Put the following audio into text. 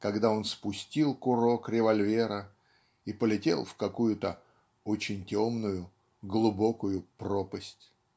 когда он спустил курок револьвера и полетел в какую-то "очень темную глубокую пропасть".